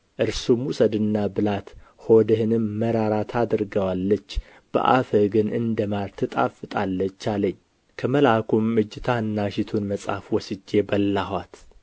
እርሱም ውሰድና ብላት ሆድህንም መራራ ታደርገዋለች በአፍህ ግን እንደ ማር ትጣፍጣለች አለኝ ከመልአኩም እጅ ታናሺቱን መጽሐፍ ወስጄ በላኋት